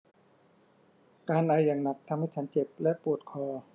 การไออย่างหนักทำให้ฉันเจ็บและปวดคอ